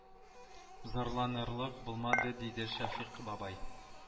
Зарланырлык булмады диде шәфыйкъ бабай